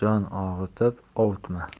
jon og'ritib ovutma